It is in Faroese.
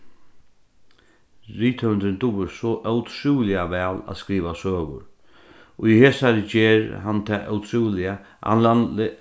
rithøvundurin dugir so ótrúliga væl at skriva søgur í hesari ger hann tað ótrúliga